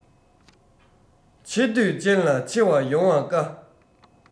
ཆེ འདོད ཅན ལ ཆེ བ ཡོང བ དཀའ